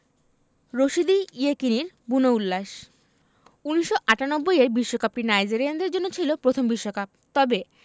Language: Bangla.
রশিদী ইয়েকিনীর বুনো উল্লাস ১৯৯৮ এর বিশ্বকাপটি নাইজেরিয়ানদের জন্য ছিল প্রথম বিশ্বকাপ তবে